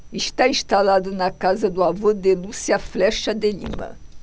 está instalado na casa do avô de lúcia flexa de lima